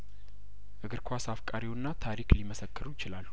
እግር ኳስ አፍቃሪ ውና ታሪክ ሊመሰክሩ ይችላሉ